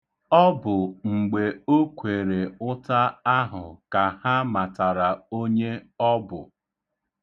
Ọ bụ mgbe o kwere ụta ahụ ka ha matara onye ọ bụ.